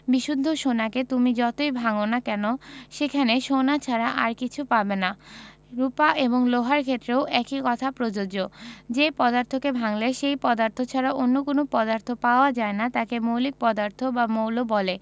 বিশুদ্ধ সোনাকে তুমি যতই ভাঙ না কেন সেখানে সোনা ছাড়া আর কিছু পাবে না রুপা এবং লোহার ক্ষেত্রেও একই কথা প্রযোজ্য যে পদার্থকে ভাঙলে সেই পদার্থ ছাড়া অন্য কোনো পদার্থ পাওয়া যায় না তাকে মৌলিক পদার্থ বা মৌল বলে